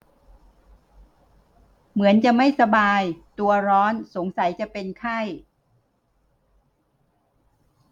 เหมือนจะไม่สบายตัวร้อนสงสัยจะเป็นไข้